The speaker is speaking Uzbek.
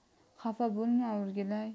xafa bo'lma o'rgilay